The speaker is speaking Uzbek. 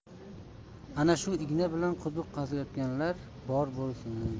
ana shu igna bilan quduq qaziyotganlar bor bo'lsin